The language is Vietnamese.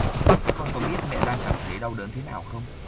con có biết mẹ đang cảm thấy đau đớn thế nào không